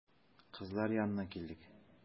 Кызлар янына килдек.